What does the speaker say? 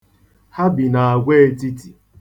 Ha bi n'agwaetiti.